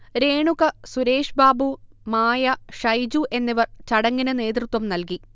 രേണുക, സുരേഷ്ബാബു, മായ, ഷൈജു എന്നിവർ ചടങ്ങിന് നേതൃത്വം നൽകി